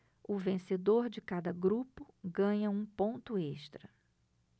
o vencedor de cada grupo ganha um ponto extra